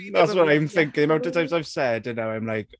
That's what I'm thinking, the amount of times I've said, and now I'm like...